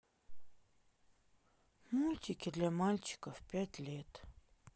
мультики для мальчиков пять лет